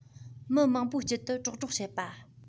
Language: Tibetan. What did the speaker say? མི མང པོའི དཀྱིལ དུ དཀྲོག དཀྲོག བྱེད པ